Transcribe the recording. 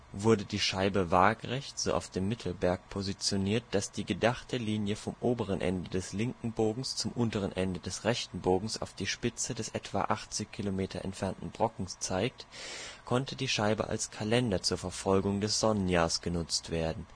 Wurde die Scheibe waagerecht so auf dem Mittelberg positioniert, dass die gedachte Linie vom oberen Ende des linken Bogens zum unteren Ende des rechten Bogens auf die Spitze des etwa 80 km entfernten Brocken zeigt, konnte die Scheibe als Kalender zur Verfolgung des Sonnenjahrs genutzt werden